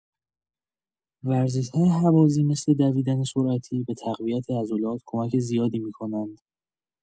ورزش‌های هوازی مثل دویدن سرعتی به تقویت عضلات کمک زیادی می‌کنند.